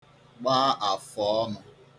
gba àfọ̀ọnụ̄